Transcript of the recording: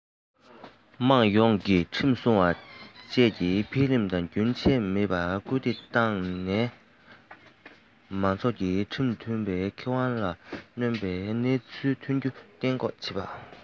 དམངས ཡོངས ཀྱིས ཁྲིམས སྲུང བ བཅས ཀྱི འཕེལ རིམ ལ རྒྱུན ཆད མེད པར སྐུལ འདེད བཏང ནས མང ཚོགས ཀྱི ཁྲིམས མཐུན ཁེ དབང ལ གནོད པའི གནས ཚུལ ཐོན རྒྱུ གཏན འགོག བྱེད དགོས